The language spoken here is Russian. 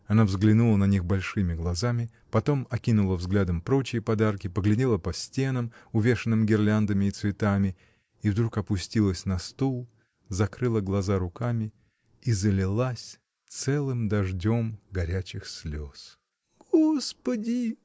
Она взглянула на них большими глазами, потом окинула взглядом прочие подарки, поглядела по стенам, увешанным гирляндами и цветами — и вдруг опустилась на стул, закрыла глаза руками и залилась целым дождем горячих слез. — Господи!